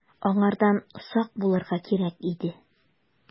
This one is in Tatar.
Аңардан сак булырга кирәк иде.